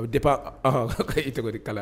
O be dépend a ɔhɔ i togodi kala